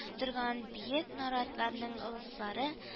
Торган биек наратларның ылыслары